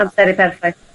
Amseru perffaith.